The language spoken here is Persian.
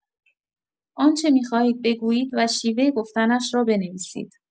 آنچه می‌خواهید بگویید و شیوه گفتنش را بنویسید.